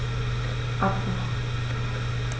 Abbruch.